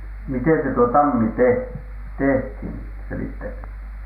mitenkäs se tuo tammi - tehtiin -